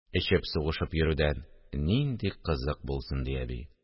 – эчеп-сугышып йөрүдән нинди кызык булсын? – ди әби